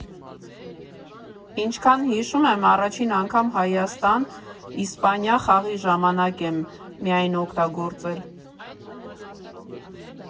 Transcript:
Ինչքան հիշում եմ՝ առաջին անգամ Հայաստան֊Իսպանիա խաղի ժամանակ եմ միայն օգտագործել։